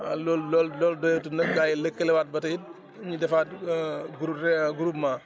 waaw loolu loolu loolu doyatul nag gaa yi lëkkalewaat ba tey énu defaat groupe groupement